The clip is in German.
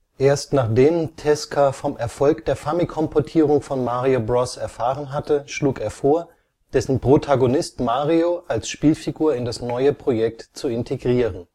Erst nachdem Tezuka vom Erfolg der Famicom-Portierung von Mario Bros. erfahren hatte, schlug er vor, dessen Protagonist Mario als Spielfigur in das neue Projekt zu integrieren